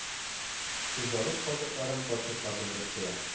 Хуҗалык калдыкларын капчыкка тутырып куя